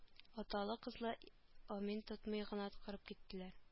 Аталы-кызлы амин тотмый гына корып киттеләр